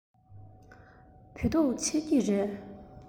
བོད ཐུག མཆོད ཀྱི རེད